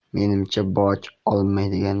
menimcha boj olinmaydigan